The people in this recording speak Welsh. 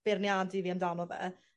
beirniadu fi amdano fe.